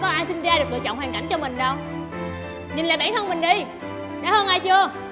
có ai sinh ra được lựa chọn hoàn cảnh cho mình đâu nhìn lại bản thân mình đi đã hơn ai chưa